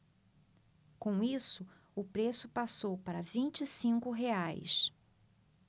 com isso o preço passou para vinte e cinco reais